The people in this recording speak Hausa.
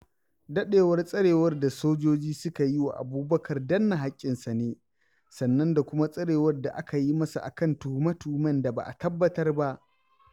Daɗewar tsarewar da sojoji suka yi wa Abubakar danne haƙƙinsa ne, sannan da kuma tsarewar da aka yi masa a kan tuhume-tuhumen da ba a tabbatar ba.